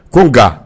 Ko nka